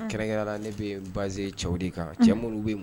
Kɛrɛnkɛ ne bɛ baz cɛw de kan minnu bɛ